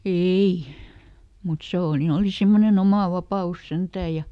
ei mutta se - niin oli semmoinen oma vapaus sentään ja